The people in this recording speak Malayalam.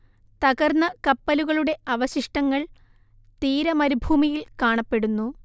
തകർന്ന കപ്പലുകളുടെ അവശിഷ്ടങ്ങൾ തീര മരുഭൂമിയിൽ കാണപ്പെടുന്നു